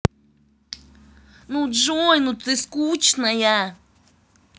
ну джой ну ты скучная